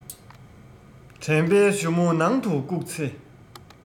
དྲན པའི གཞུ མོ ནང དུ བཀུག ཚེ